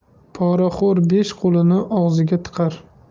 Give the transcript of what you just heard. poraxo'r besh qo'lini og'ziga tiqar